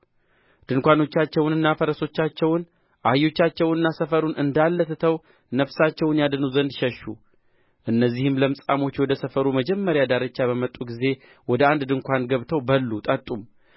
ድንኳኖቻቸውንና ፈረሶቻቸውን አህዮቻቸውንና ሰፈሩን እንዳለ ትተው ነፍሳቸውን ያድኑ ዘንድ ሸሹ እነዚህም ለምጻሞች ወደ ሰፈሩ መጀመሪያ ዳርቻ በመጡ ጊዜ ወደ አንድ ድንኳን ገብተው በሉ ጠጡም